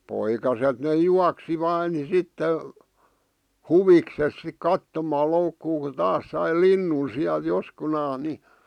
poikaset ne juoksi vain niin sitten huvikseen sitten katsomaan loukkua kun taas sai linnun siellä joskunansa niin